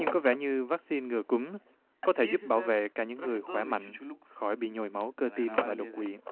nhưng có vẻ như vắc xin ngừa cúm có thể giúp bảo vệ cả những người khỏe mạnh khỏi bị nhồi máu cơ tim và đột quỵ